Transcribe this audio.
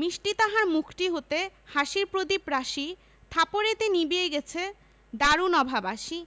মিষ্টি তাহার মুখটি হতে হাসির প্রদীপ রাশি থাপড়েতে নিবিয়ে দেছে দারুণ অভাব আসি